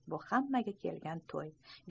bu hammaga kelgan to'y